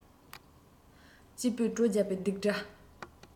སྐྱིད པོའི བྲོ རྒྱག པའི རྡིག སྒྲ